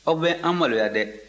aw bɛ an maloya dɛ